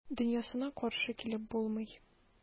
Дөньясына каршы килеп булмый.